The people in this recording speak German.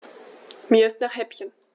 Mir ist nach Häppchen.